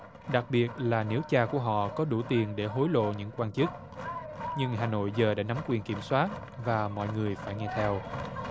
đặc biệt là nếu cha của họ có đủ tiền để hối lộ những quan chức nhưng hà nội giờ đã nắm quyền kiểm soát và mọi người phải nghe theo